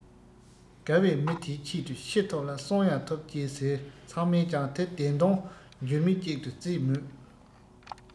དགའ བའི མི དེའི ཆེད དུ ཤི ཐུབ ལ གསོན ཡང ཐུབ ཅེས ཟེར ཚང མས ཀྱང དེ བདེན དོན འགྱུར མེད ཅིག ཏུ བརྩི མོད